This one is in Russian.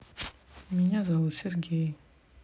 меня зовут сергей